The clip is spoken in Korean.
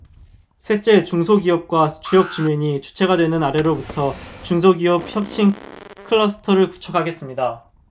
셋째 중소기업과 지역주민이 주체가 되는 아래로부터의 중소기업 혁신 클러스터를 구축하겠습니다